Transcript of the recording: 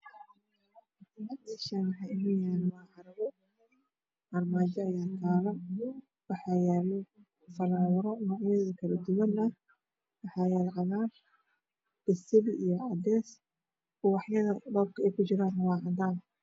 Meshani waxa ino yalo armaajo ayatalo waxayalo farawaro nucyahor kaladugan waxayalo cagar beseli cades ubaxyad dhobka eey kujiran waa cadan